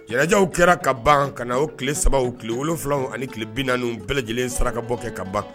Janajaw kɛra ka ban kana o kile 3 o kile 7 o ani tile 40 u bɛɛ lajɛlen sarakabɔ kɛ ka ban